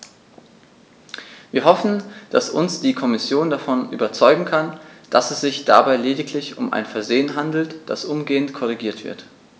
Wir hoffen, dass uns die Kommission davon überzeugen kann, dass es sich dabei lediglich um ein Versehen handelt, das umgehend korrigiert wird.